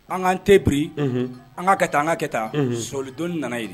An kaan tɛ bi an ka ka taa an ka ka taa solidon nana yen